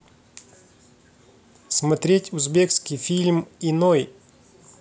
смотреть узбекский фильм иной